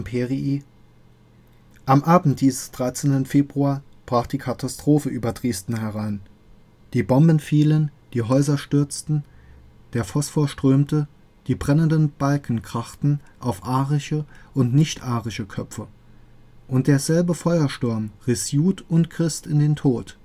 LTI “: Am Abend dieses 13. Februar brach die Katastrophe über Dresden herein: die Bomben fielen, die Häuser stürzten, der Phosphor strömte, die brennenden Balken krachten auf arische und nichtarische Köpfe, und derselbe Feuersturm riß Jud und Christ in den Tod